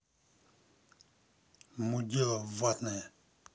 мудила ватная